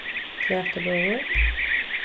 flatibøur